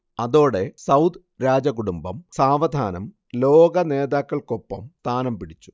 അതോടെ സൗദ് രാജകുടുംബം സാവധാനം ലോക നേതാക്കൾക്കൊപ്പം സ്ഥാനം പിടിച്ചു